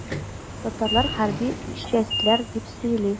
Татарлар хәрби чәстләр дип сөйли.